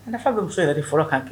N nafa bɛ muso yɛrɛ de fɔlɔ kan kɛ